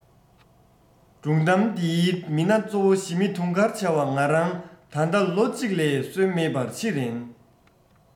སྒྲུང གཏམ འདིའི མི སྣ གཙོ བོ ཞི མི དུང དཀར བྱ བ ང རང ད ལྟ ལོ གཅིག ལས སོན མེད པར འཆི རན